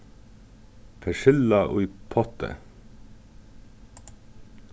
persilla í potti